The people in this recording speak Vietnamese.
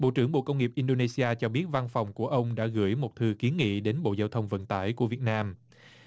bộ trưởng bộ công nghiệp in đô nê si a cho biết văn phòng của ông đã gửi một thư kiến nghị đến bộ giao thông vận tải của việt nam